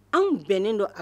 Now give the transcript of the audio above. Anw bɛnnen don